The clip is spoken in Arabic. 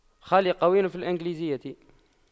خالق قويل في الإنجليزية